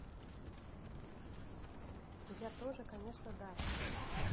я тоже конечно да